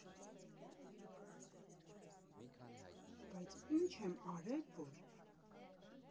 Բայց ի՞նչ եմ արել, որ…